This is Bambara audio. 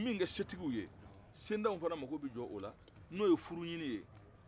u bɛ min kɛ setigiw ye sentanw fana mako bɛ jɔ o la n'o ye furu ɲini ye